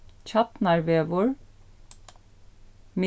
tjarnarvegur